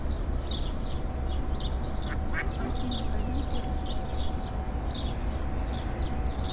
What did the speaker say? афина пойдем курить